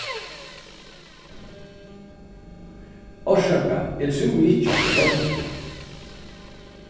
orsaka eg trúði ikki at tú meinti tað